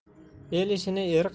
el ishini er qilur